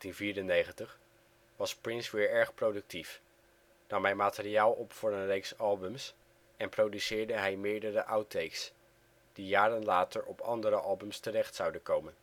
1993-1994) was Prince weer erg productief, nam hij materiaal op voor een reeks albums en produceerde hij meerdere outtakes, die jaren later op andere albums terecht zouden komen